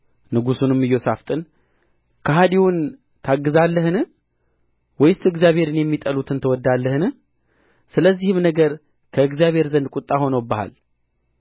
ንጉሡንም ኢዮሣፍጥን ከሐዲውን ታግዛለህን ወይስ እግዚአብሔርን የሚጠሉትን ትወድዳለህን ስለዚህም ነገር ከእግዚአብሔር ዘንድ ቍጣ ሆኖብሃል